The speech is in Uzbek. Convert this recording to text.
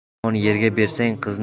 yomon yerga bersang qizni